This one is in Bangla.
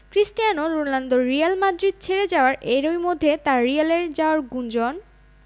ক্রিস্টিয়ানো রোনালদো রিয়াল মাদ্রিদ ছেড়ে যাওয়ায় এরই মধ্যে তাঁর রিয়ালে যাওয়ার গুঞ্জন